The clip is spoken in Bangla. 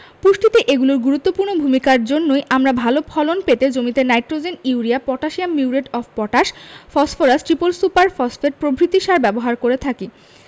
পুষ্টিতে এগুলোর গুরুত্বপূর্ণ ভূমিকার জন্যই আমরা ভালো ফলন পেতে জমিতে nitrogen urea potassium muriate of potash phosphorus triple super phosphate প্রভৃতি সার ব্যবহার করে থাকি